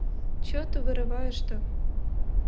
че ты вырываешь то